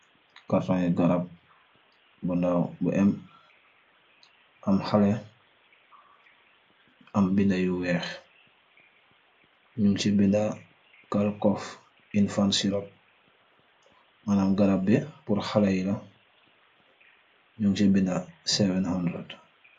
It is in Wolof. Caton garab bundaw bu em am xale am binda yu weex nung ci binda karkov in fant sirop manam garab bi pur xalay la nung ci binda 700.